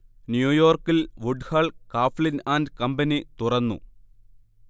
ന്യൂയോർക്കിൽ Woodhull, Claflin and company തുറന്നു